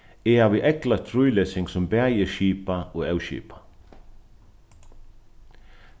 eg havi eygleitt frílesing sum bæði er skipað og óskipað